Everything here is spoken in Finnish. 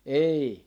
ei